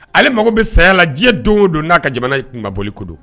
Ale mago be saya la diɲɛ don o don n'a ka jamana kumaboli ko don